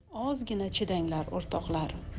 ozgina chidanglar o'rtoqlar